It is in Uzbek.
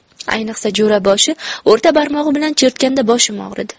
ayniqsa jo'raboshi o'rta barmog'i bilan chertganda boshim og'ridi